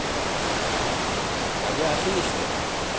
ага отлично